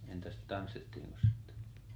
entäs tanssittiinko sitten